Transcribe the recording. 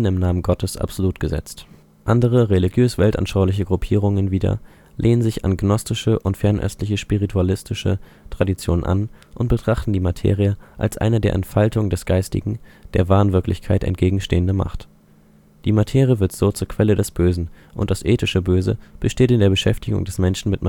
Namen Gottes absolut gesetzt. Andere religiös-weltanschauliche Gruppierungen wieder lehnen sich an gnostische und fernöstliche spiritualistische Traditionen an, und betrachten die Materie als eine der Entfaltung des Geistigen, der wahren Wirklichkeit, entgegenstehende Macht. Die Materie wird so zur Quelle des Bösen, und das ethische Böse besteht in der Beschäftigung des Menschen mit Materiellem